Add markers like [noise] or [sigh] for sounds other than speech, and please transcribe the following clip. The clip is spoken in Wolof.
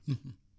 [hesitation] [hesitation]